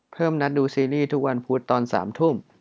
เพิ่มนัดดูซีรีย์ทุกวันพุธตอนสามทุ่ม